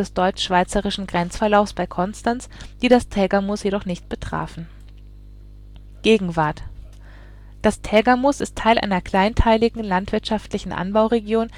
deutsch-schweizerischen Grenzverlaufs bei Konstanz, die das Tägermoos jedoch nicht betrafen. Gehöft « Ziegelhof » im Tägermoos Das Tägermoos ist Teil einer kleinteiligen landwirtschaftlichen Anbauregion